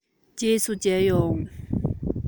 རྗེས སུ མཇལ ཡོང